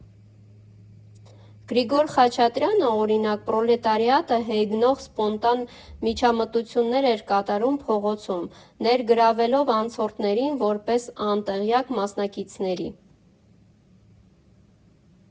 Գրիգոր Խաչատրյանը՝ օրինակ, «պրոլետարիատը» հեգնող սպոնտան միջամտություններ էր կատարում փողոցում, ներգրավվելով անցորդներին որպես անտեղյակ մասնակիցների։